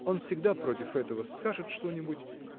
Он всегда против этого: скажет что-нибудь.